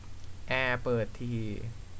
แอร์เปิดที